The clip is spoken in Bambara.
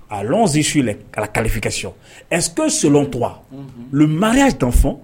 Allons sur les la qualification, est ce selon toi ; unhun; le mariage d'enfants